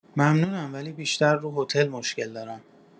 ممنونم ولی بیشتر رو هتل مشکل دارم